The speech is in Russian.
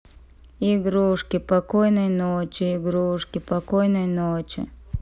игрушки покойный ночи игрушки покойной ночи